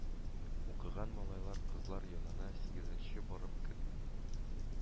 Укыган малайлар-кызлар янына, сигезенчегә барып кергән